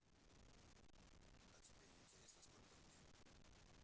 а тебе не интересно сколько мне